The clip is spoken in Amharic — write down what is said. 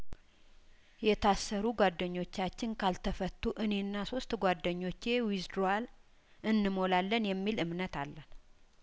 የታሰሩ ጓደኞ ቻችን ካልተፈቱ እኔና ሶስት ጓደኞቼ ዊዝ ድሮዋል እንሞላለን የሚል እምነት አለን